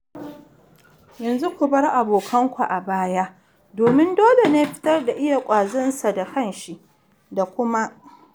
Yanzu, ku bar abokanku a baya domin dole ne fitar da iya kwazon sa da kanshi, da kuma. "